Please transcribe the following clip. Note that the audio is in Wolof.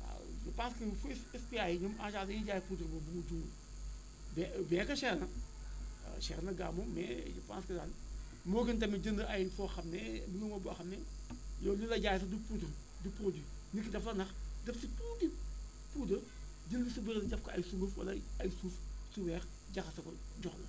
waaw je pense fu SPIA yi ñoom en général dañuy jaay produit boobu bu ma juumul bien bien que cher na waaw cher na gaaw na mais je pense que daal moo gën tamit jënd ay foo xam ne luuma boo xam ne yow li ñu la jaay sax du poudre du produit nit ki dafa la nax def si tuuti poudre jël lu si bëri def ko ay sunguf wala ay suuf su weex jaxase ko jox la